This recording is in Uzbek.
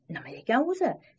nima ekan o'zi